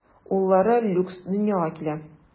Уллары Люкс дөньяга килә.